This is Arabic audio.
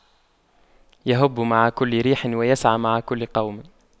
يَهُبُّ مع كل ريح ويسعى مع كل قوم